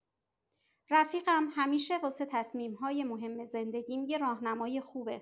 رفیقم همیشه واسه تصمیم‌های مهم زندگیم یه راهنمای خوبه.